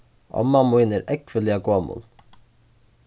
omma mín er ógvuliga gomul